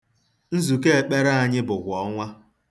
Nzukọ ekpere anyị bụ kwa ọnwa.